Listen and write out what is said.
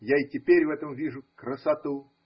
Я и теперь в этом вижу красоту.